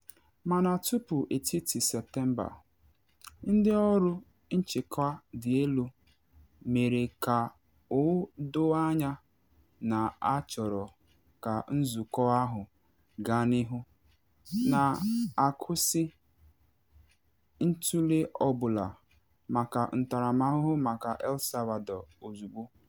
Mana tupu etiti-Septemba, ndị ọrụ nchịkwa dị elu mere ka o doo anya na ha chọrọ ka nzụkọ ahụ gaa n’ihu, na akwụsị ntụle ọ bụla maka ntaramahụhụ maka El Salvador ozugbo.